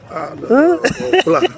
man kay man moom pulaar